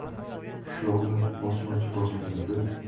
qishloqni bosmachi bosganida